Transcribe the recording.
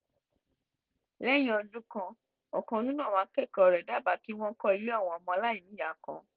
Lẹ́yìn ọdún kan, ọ̀kan nínú àwọn akẹ́kọ̀ọ́ rẹ̀ dábàá kí wọ́n kọ́ ilé àwọn ọmọ aláìníyàá kan.